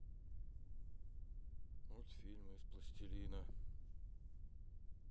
мультфильмы из пластилина